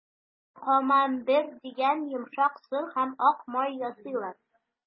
Монда «Камамбер» дигән йомшак сыр һәм ак май ясыйлар.